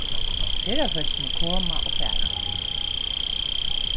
ferðafólkini koma og fara